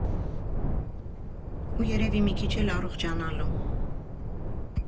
Ու երևի մի քիչ էլ առողջանալու։